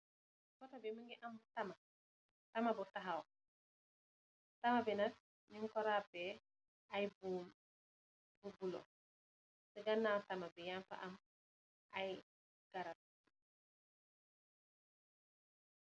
Otto bi mu ngi am tama, tama bu taxaw. Tama bi nak, ñuñ ko raabe ay buum bu bulo. Si ganaaw tama bi nak yaañ fa am garab.